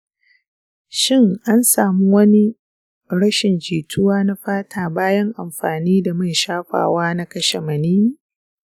shin an samu wani rashin jituwa na fata bayan amfani da man shafawa na kashe maniyyi ?